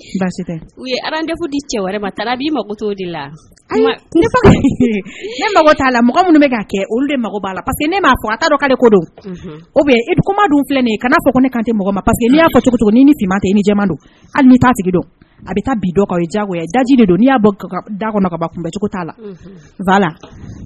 Di mako cogo de la ne mako t'a la minnu kɛ olu mako la paseke ne ma ko don o e bɛ kuma dunnen kana ne kan mɔgɔseke'acogo cogo ni te tɛ i ni don hali sigi dɔn a bɛ taa bi jagoya daji de don y'a bɔ da kɔnɔ kababa kun bɛcogo t'a la ba